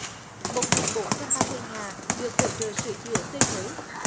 một nghìn bốn trăm ba mươi nhà được hỗ trợ sửa chữa xây mới